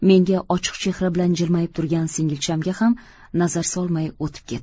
menga ochiq chehra bilan jilmayib turgan singilchamga ham nazar solmay o'tib ketdim